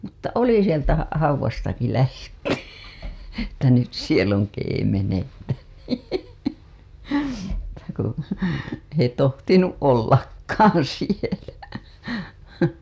mutta oli sieltä - haudastakin lähdetty että nyt siellä on keemenettä että kun ei tohtinut ollakaan siellä